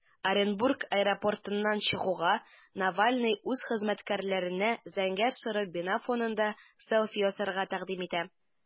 Оренбург аэропортыннан чыгуга, Навальный үз хезмәткәрләренә зәңгәр-соры бина фонында селфи ясарга тәкъдим итә.